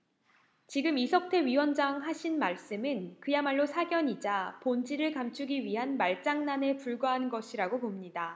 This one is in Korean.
지금 이석태 위원장 하신 말씀은 그야말로 사견이자 본질을 감추기 위한 말장난에 불과한 것이라고 봅니다